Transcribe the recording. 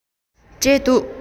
འབྲས འདུག